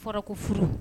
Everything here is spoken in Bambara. Fɔra ko furu